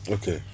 ok